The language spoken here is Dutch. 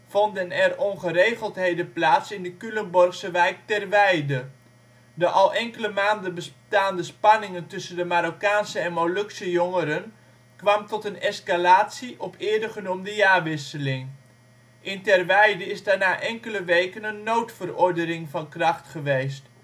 vonden er ongeregeldheden plaats in de Culemborgse wijk Terweijde. De al enkele maanden bestaande spanningen tussen de Marokkaanse en Molukse jongeren kwamen tot een escalatie op eerdergenoemde jaarwisseling. In Terweijde is daarna enkele weken een noodverordening van kracht geweest